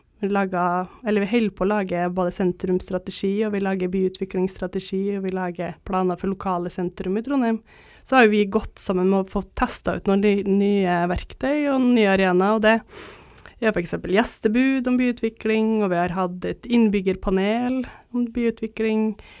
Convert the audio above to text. vi laga eller vi holder på å lage både sentrumsstrategi og vi lager byutviklingsstrategi og vi lager planer for lokale sentrum i Trondheim, så har jo vi gått sammen og fått testa ut noen nye verktøy og nye arenaer og det vi har f.eks. gjestebud om byutvikling og vi har hatt et innbyggerpanel om byutvikling.